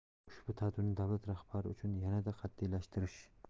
ushbu tartibni davlat rahbari uchun yanada qat'iylashtirish